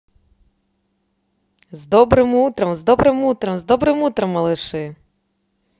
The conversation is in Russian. с добрым утром с добрым утром с добрым утром малыши